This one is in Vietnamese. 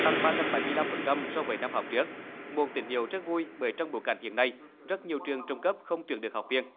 tăng ba trăm bảy mươi lăm phần trăm so với năm học trước một tín hiệu rất vui bởi trong bối cảnh hiện nay rất nhiều trường trung cấp không tuyển được học viên